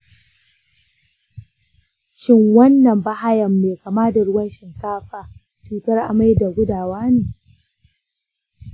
shin wannan bahayan mai kama da ruwan shinkafa cutar amai da gudawa ne?